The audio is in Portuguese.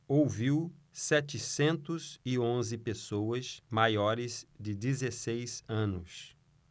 ouviu setecentos e onze pessoas maiores de dezesseis anos